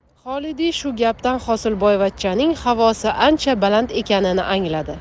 xolidiy shu gapdan hosilboyvachchaning havosi ancha baland ekanini angladi